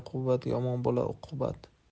quvvat yomon bola uqubat